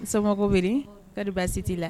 Somɔgɔ bɛ di? Kɔnni basi si t'i la?